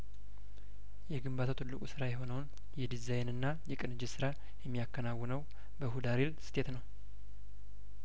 የግንባታው ትልቁ ስራ የሆነውን የዲዛይንና የቅንጅት ስራ የሚያከናውነው በሁዳ ሪል ስቴት ነው